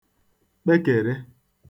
kpekère